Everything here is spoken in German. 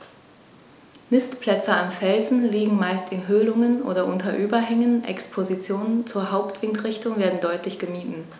Nistplätze an Felsen liegen meist in Höhlungen oder unter Überhängen, Expositionen zur Hauptwindrichtung werden deutlich gemieden.